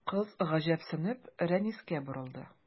Кыз, гаҗәпсенеп, Рәнискә борылды.